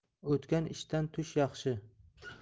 o'tgan ishdan tush yaxshi